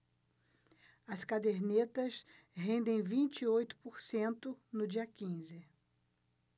as cadernetas rendem vinte e oito por cento no dia quinze